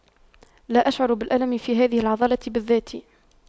لا أشعر بالألم في هذه العضلة بالذات